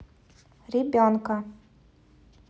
ребенка